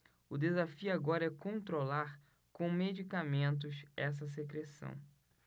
o desafio agora é controlar com medicamentos essa secreção